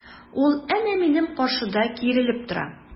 Ул әнә минем каршыда киерелеп тора!